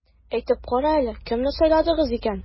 Әйтеп кара әле, кемне сайладыгыз икән?